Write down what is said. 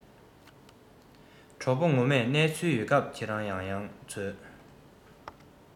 གྲོགས པོ ངོ མས གནས ཚུལ ཡོད སྐབས ཁྱེད རང འཚོལ བར འོང